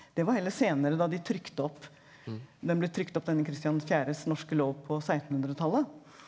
det var heller senere da de trykte opp den ble trykt opp denne Kristian den fjerdes norske lov på sekstenhundretallet.